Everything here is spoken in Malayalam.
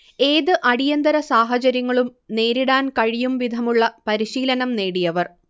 ഏത് അടിയന്തര സാഹചര്യങ്ങളും നേരിടാൻ കഴിയുംവിധമുള്ള പരിശീലനം നേടിയവർ